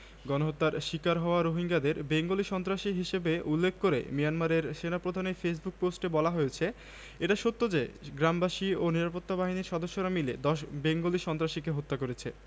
তাদের মানবাধিকার লঙ্ঘনের কথা শুনতে পাঁচ দিনের সফরে আগামী ১৮ জানুয়ারি বাংলাদেশে আসছেন গত ২৫ আগস্ট মিয়ানমার সামরিক বাহিনী রাখাইন রাজ্যে নতুন মাত্রায় গণহত্যা শুরুর পর